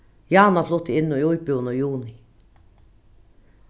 jana flutti inn í íbúðina í juni